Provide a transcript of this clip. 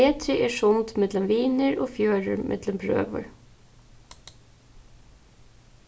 betri er sund millum vinir og fjørður millum brøður